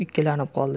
ikkilanib qoldi